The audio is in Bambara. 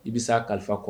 I bi sa kalifa kɔrɔ